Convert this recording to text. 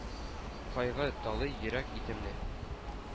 Кайгы талый йөрәк итемне.